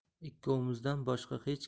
ikkovimizdan boshqa hech